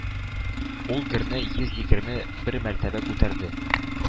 Ул герне йөз егерме бер мәртәбә күтәрде.